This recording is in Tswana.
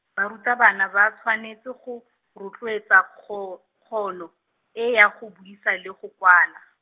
barutabana ba tshwanetse go, rotloetsa kgo-, kgono, e ya go buisa le go kwala.